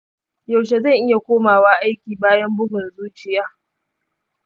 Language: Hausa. yaushe zan iya komawa aiki bayan bugun zuciya?